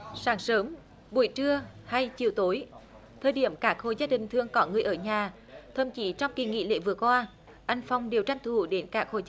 sáng sớm buổi trưa hay chiều tối thời điểm các hộ gia đình thường có người ở nhà thậm chí trong kỳ nghỉ lễ vừa qua anh phong đều tranh thủ đến các hộ